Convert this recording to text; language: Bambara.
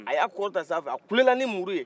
a y'a kɔrɔta sanfɛ a kulela nin muuru ye